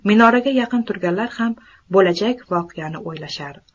minoraga yaqin turganlar ham bo'lajak voqeani o'ylashar